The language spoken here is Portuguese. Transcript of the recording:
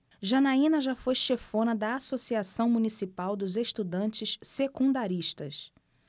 janaina foi chefona da ames associação municipal dos estudantes secundaristas